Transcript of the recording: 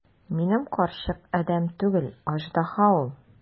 Минем карчык адәм түгел, аждаһа ул!